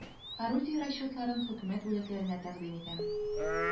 Орудие расчетларын хөкүмәт бүләкләренә тәкъдим итәм.